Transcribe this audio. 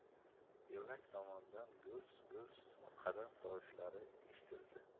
yo'lak tomondan gurs gurs qadam tovushlari eshitildi